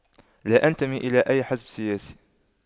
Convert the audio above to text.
لا أنتمي إلى أي حزب سياسي